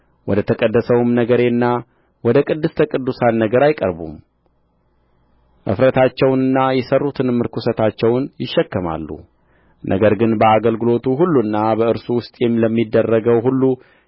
ወደ ተቀደሰውም ነገሬና ወደ ቅድስተ ቅዱሳን ነገር አይቀርቡም እፍረታቸውንና የሠሩትንም ርኵሰታቸውን ይሸከማሉ ነገር ግን ለአገልግሎቱ ሁሉና በእርሱ ውስጥ ለሚደረገው ሁሉ